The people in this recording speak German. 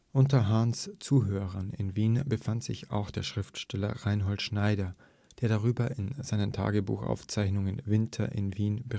Unter Hahns Zuhörern in Wien befand sich auch der Schriftsteller Reinhold Schneider, der darüber in seinen Tagebuchaufzeichnungen Winter in Wien berichtete